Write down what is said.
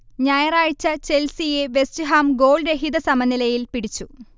ഞായറാഴ്ച ചെൽസിയെ വെസ്റ്റ്ഹാം ഗോൾരഹിത സമനിലയിൽ പിടിച്ചു